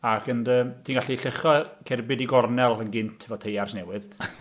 ac yn dy... ti'n gallu lluchio cerbyd i gornel yn gynt efo teiars newydd.